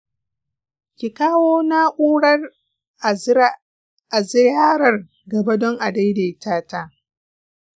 ki kawo na’urar a ziyarar gaba don a daidaita ta.